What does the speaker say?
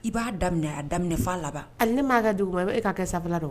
I b'a daminɛ a daminɛfa laban ale ne b'a ka jugu a bɛ e k'a kɛ saba don